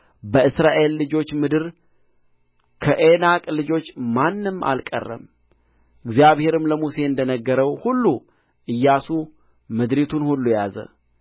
በእስራኤል ልጆች ምድር ከዔናቅ ልጆች ማንም አልቀረም እግዚአብሔርም ለሙሴ እንደ ነገረው ሁሉ ኢያሱ ምድሪቱን ሁሉ ያዘ